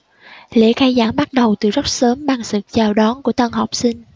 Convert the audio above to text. lễ khai giảng bắt đầu từ rất sớm bằng sự chào đón các tân học sinh